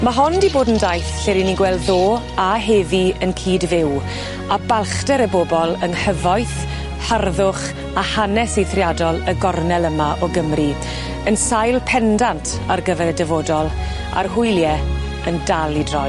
Ma' hon 'di bod yn daith lle'r i ni'n gweld ddo' a heddi yn cydfyw, a balchder y bobol yng nghyfoeth, harddwch, a hanes eithriadol y gornel yma o Gymru, yn sail pendant ar gyfer y dyfodol, a'r hwylie yn dal i droi.